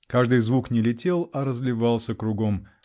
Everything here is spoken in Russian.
Каждый звук не летел, а разливался кругом